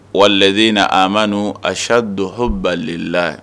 Wa yi in na a ma asa don h balila